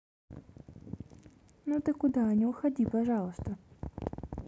ну ты куда не уходи пожалуйста